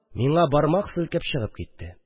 Миңа бармак селкеп чыгып китте